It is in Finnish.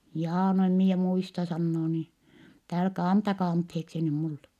jaa no en minä muista sanoo niin että älkää antakaa anteeksi nyt minulle